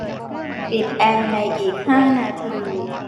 ปิดแอร์ในอีกห้านาที